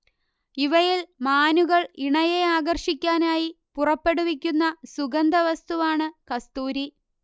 ഇവയിൽ മാനുകൾ ഇണയെ ആകർഷിക്കാനായി പുറപ്പെടുവിക്കുന്ന സുഗന്ധവസ്തുവാണ് കസ്തൂരി